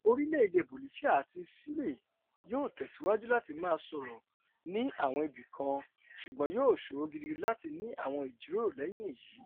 orílẹ̀-èdè Bolifia àti Ṣílì̀ yóò tẹ̀síwajú láti máa sọ̀rọ̀ ni àwọn ibi kan, ṣùgbọ́n yóò ṣòro gidigidi láti ní àwọn ìjíròrò lẹ́yìn èyí.